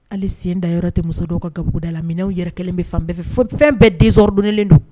Hali sen da yɔrɔ tɛ muso dɔw ka kabbuguda la min'aw yɛrɛ kɛlen bɛ fanfɛ fɛn bɛɛ desɔrɔdnen don